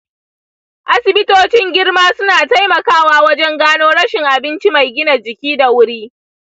asibitocin girma suna taimakawa wajen gano rashin abinci mai gina jiki da wuri.